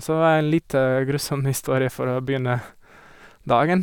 Så en litt grusom historie for å begynne dagen.